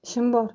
ishim bor